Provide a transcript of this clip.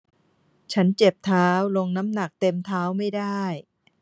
ฉันเจ็บเท้าลงน้ำหนักเต็มเท้าไม่ได้